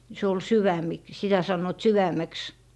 se oli - sitä sanoivat sydämeksi